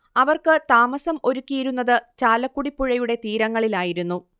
അവർക്ക് താമസം ഒരുക്കിയിരുന്നത് ചാലക്കുടിപ്പുഴയുടെ തീരങ്ങളിലായിരുന്നു